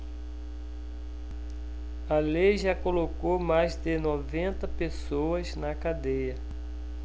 a lei já colocou mais de noventa pessoas na cadeia